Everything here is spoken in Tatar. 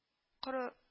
Коры